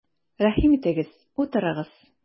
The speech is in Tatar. Рәхим итегез, утырыгыз!